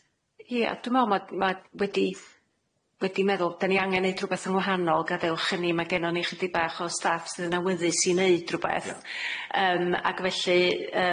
Ia, dwi me'wl ma' ma' wedi wedi meddwl... 'Dan ni angen neud rwbeth yn wahanol, gadewch i ni... Ma' gennon ni chydig bach o staff sydd yn awyddus i neud rwbeth... Ia... Yym, ag felly yym